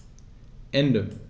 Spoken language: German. Ende.